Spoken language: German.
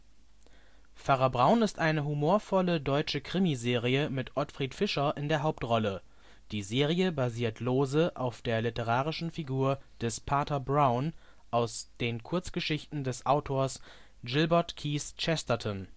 Pfarrer Braun ist eine humorvolle deutsche Krimiserie mit Ottfried Fischer in der Hauptrolle. Die Serie basiert lose auf der literarischen Figur des Pater Brown aus den Kurzgeschichten des Autors Gilbert Keith Chesterton